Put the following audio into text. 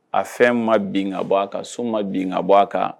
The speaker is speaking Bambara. A fɛn ma bin ka bɔ a kan so ma bin ka bɔ a kan